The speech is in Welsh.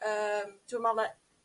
yym t'wmo' m'e